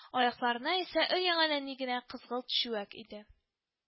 Аякларында исә өр-яңа нәни генә кызгылт чүәк иде